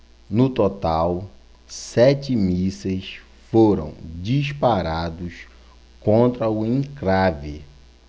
no total sete mísseis foram disparados contra o encrave